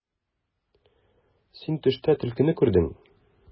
Син төштә төлкене күрдең.